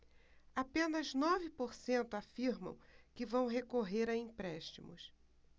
apenas nove por cento afirmam que vão recorrer a empréstimos